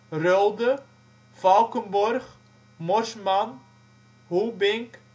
Rhulde, Valckenborgh, Morsman, Hoebinck